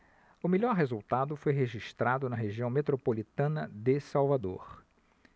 o melhor resultado foi registrado na região metropolitana de salvador